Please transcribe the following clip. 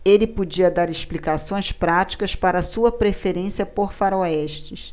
ele podia dar explicações práticas para sua preferência por faroestes